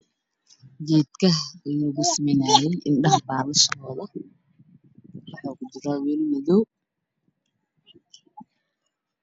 Waa geedka lagu sameynayo indhaha balashooda wuxuu ku jiraa meel madow darbiga wada cadaan